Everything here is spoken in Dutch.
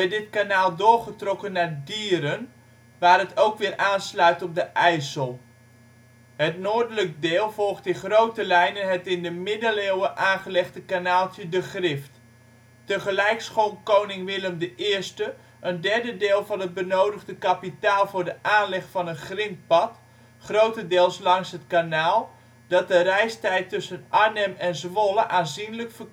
dit kanaal doorgetrokken naar Dieren waar het ook weer aansluit op de IJssel. Het noordelijk deel volgt in grote lijnen het in de middeleeuwen aangelegde kanaaltje De Grift. Tegelijk schonk koning Willem I een derde deel van het benodigde kapitaal voor de aanleg van een grindpad (grotendeels langs het kanaal), dat de reistijd tussen Arnhem en Zwolle aanzienlijk